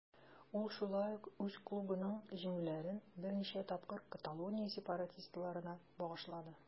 Ул шулай ук үз клубының җиңүләрен берничә тапкыр Каталония сепаратистларына багышлады.